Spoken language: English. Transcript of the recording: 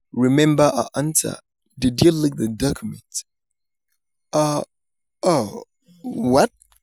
Remember her answer... did you leak the document - "oh, oh, what?